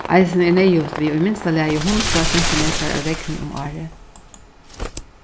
eisini er neyðugt við í minsta lagi hundrað cm av regni um árið